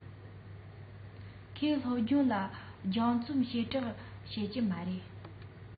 ཁོས སློབ སྦྱོང ལ སྦྱང བརྩོན ཞེ དྲགས བྱེད ཀྱི མ རེད